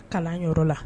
Kalan yɔrɔ la